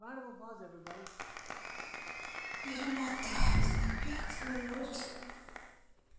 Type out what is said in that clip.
перемотать на пять минут